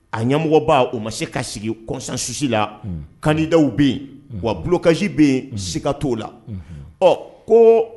A ɲɛmɔgɔba u ma se ka sigi kɔsansusi la kanda bɛ yen wa bulonkasi bɛ yen ska to la ɔ ko